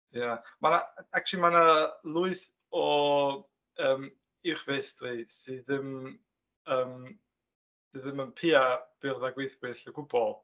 Ia, ma' 'na... Achsyli, mae 'na lwyth o yym uwchfeistri sydd ddim yym sydd ddim yn piau byrddau gwyddbwyll o gwbl.